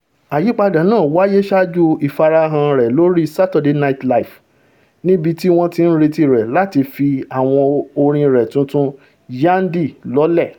Àyípadà náà wáyé saájú ìfarahàn rẹ̀ lórí Saturday Night Live, níbití wọ́n ti ń reti rẹ̀ láti fi àwo orin rẹ̀ tuntun Yandhi lọ́lẹ̀.